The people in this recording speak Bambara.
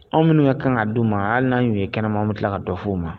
Anw minnu ye kan ka di u ma hali n'an y'u ye kɛnɛma an bɛ tila ka dɔ f'u ma